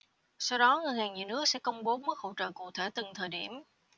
sau đó ngân hàng nhà nước sẽ công bố mức hỗ trợ cụ thể từng thời điểm